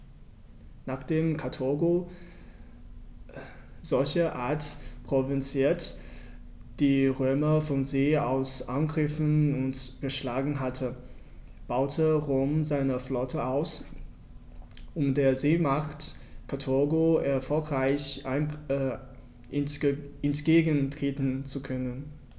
Nachdem Karthago, solcherart provoziert, die Römer von See aus angegriffen und geschlagen hatte, baute Rom seine Flotte aus, um der Seemacht Karthago erfolgreich entgegentreten zu können.